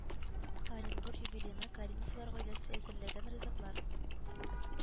Оренбур юбилеена Кәримовлар гаиләсе әзерләгән ризыклар